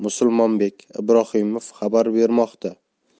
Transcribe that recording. musulmonbek ibrohimov xabar bermoqda